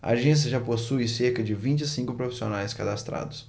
a agência já possui cerca de vinte e cinco profissionais cadastrados